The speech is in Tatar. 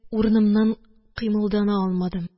Урынымнан кыймылдана алмадым.